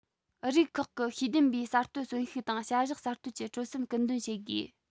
རིགས ཁག གི ཤེས ལྡན པའི གསར གཏོད གསོན ཤུགས དང བྱ གཞག གསར གཏོད ཀྱི སྤྲོ སེམས སྐུལ འདོན བྱེད དགོས